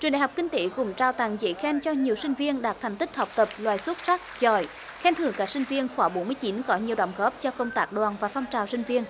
trường đại học kinh tế cũng trao tặng giấy khen cho nhiều sinh viên đạt thành tích học tập loại xuất sắc giỏi khen thưởng các sinh viên khóa bốn mươi chín có nhiều đóng góp cho công tác đoàn và phong trào sinh viên